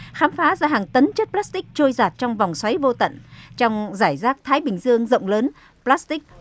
khám phá ra hàng tấn chất pờ lát tích trôi dạt trong vòng xoáy vô tận trong rải rác thái bình dương rộng lớn pờ lát tích